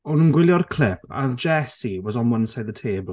O'n i'n gwylio'r clip, a oedd Jessie was on one side of the table...